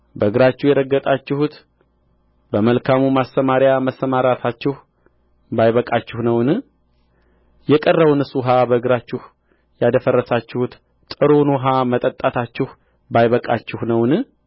በእግራችሁ የረገጣችሁት በመልካሙ ማሰማርያ መሰማራታችሁ ባይበቃችሁ ነውን የቀረውንስ ውኃ በእግራችሁ ያደፈረሳችሁት ጥሩውን ውኃ መጠጣታችሁ ባይበቃችሁ ነውን